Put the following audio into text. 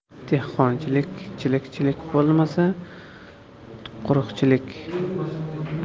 dehqonchilik chilik chilik bo'lmasa quruqchilik